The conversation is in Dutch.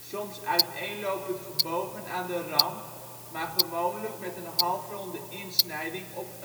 soms uiteenlopend gebogen aan de rand, maar gewoonlijk met een halfronde insnijding op